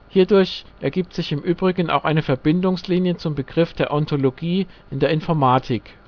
Hierdurch ergibt sich im übrigen auch eine Verbindungslinie zum Begriff der Ontologie in der Informatik